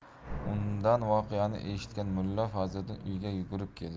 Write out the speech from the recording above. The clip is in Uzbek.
undan voqeani eshitgan mulla fazliddin uyiga yugurib keldi